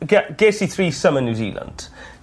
gy- ges i threesome yn New Zealand